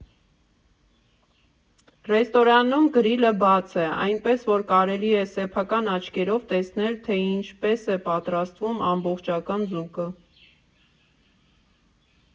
Ռեստորանում գրիլը բաց է, այնպես որ կարելի է սեփական աչքերով տեսնել, թե ինչպես է պատրաստվում ամբողջական ձուկը։